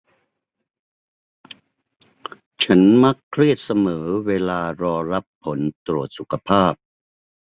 ฉันมักเครียดเสมอเวลารอรับผลตรวจสุขภาพ